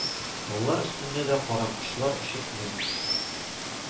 Таулар өстендә дә каракошлар очып йөри